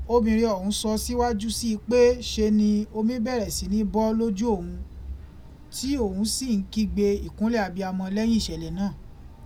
Obìnrin ọ̀hún sọ síwájú si pé ṣe ni omi bẹ̀rẹ̀ sí ní bọ́ lójú òun tí òun sì ń kígbe ìkúnlẹ̀ abiyamọ lẹ́yìn ìṣẹ̀lẹ̀ náà.